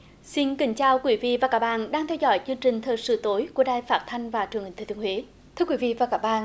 xin kính chào quý vị và các bạn đang theo dõi chương trình thời sự tối của đài phát thanh và truyền hình thừa thiên huế thưa quý vị và các bạn